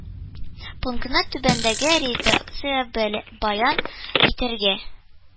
Пунктны түбәндәге редакциядә бәян итәргә: